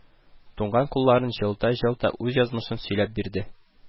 Туңган кулларын җылыта-җылыта үз язмышын сөйләп бирде